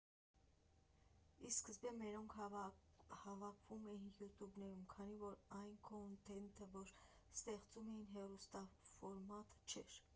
Ի սկզբանե մերոնք հավաքվում էին յութուբներում, քանի որ այն քոնթենթը, որ ստեղծում էին, հեռուստաֆորմատ չէր։